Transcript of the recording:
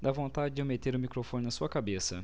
dá vontade de eu meter o microfone na sua cabeça